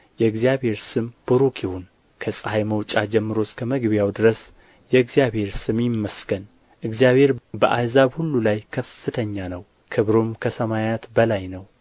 የእግዚአብሔር ስም ቡሩክ ይሁን ከፀሐይ መውጫ ጀምሮ እስከ መግቢያው ድረስ የእግዚአብሔር ስም ይመስገን እግዚአብሔር በአሕዛብ ሁሉ ላይ ከፍተኛ ነው ክብሩም ከሰማያት በላይ ነው እንደ አምላካችን